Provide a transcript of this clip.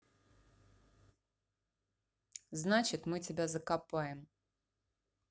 значит мы тебя закопаем